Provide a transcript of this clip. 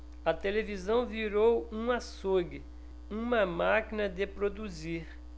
a televisão virou um açougue uma máquina de produzir